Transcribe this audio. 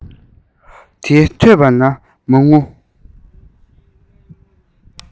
དེས ཐོས པ ནད མ ངུ